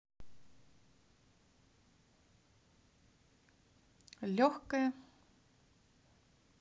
легкая